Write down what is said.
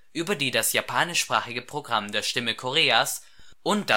über die das japanischsprachige Programm der Stimme Koreas und